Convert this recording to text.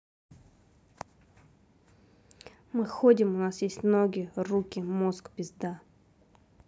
мы ходим у нас есть ноги руки мозг пизда